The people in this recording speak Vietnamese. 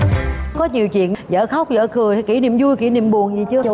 có nhiều chuyện dở khóc dở cười hay kỷ niệm vui kỷ niệm buồn gì chưa